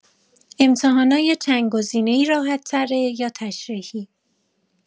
امتحانای چندگزینه‌ای راحت‌تره یا تشریحی؟